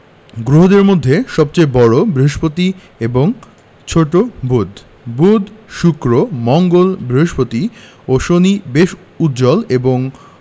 গ্রহদের মধ্যে সবচেয়ে বড় বৃহস্পতি এবং ছোট বুধ বুধ শুক্র মঙ্গল বৃহস্পতি ও শনি বেশ উজ্জ্বল এবং